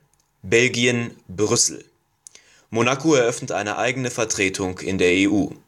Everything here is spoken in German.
Belgien/Brüssel: Monaco eröffnet eine eigene Vertretung in der EU